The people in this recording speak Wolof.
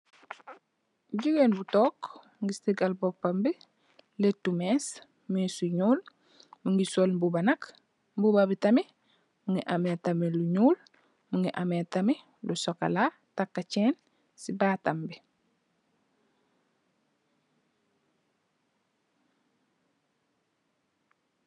Gigain bu tok, mungy sehgal bopam bii, lehtu meeche, meeche yu njull, mungy sol mbuba nak, mbuba bii tamit mungy ameh tamit lu njull, mungy ameh tamit lu chocolat, takah chaine cii bahtam bii.